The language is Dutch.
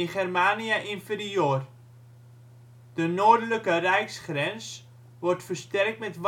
Germania Inferior. De noordelijke rijksgrens wordt versterkt met wachttorens